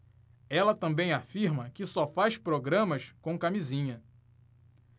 ela também afirma que só faz programas com camisinha